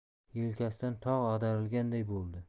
yelkasidan tog' ag'darilganday bo'ldi